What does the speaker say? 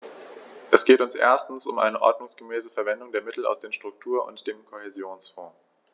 Es geht uns erstens um eine ordnungsgemäße Verwendung der Mittel aus den Struktur- und dem Kohäsionsfonds.